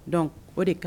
Donc o de kan